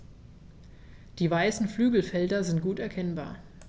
Die weißen Flügelfelder sind gut erkennbar.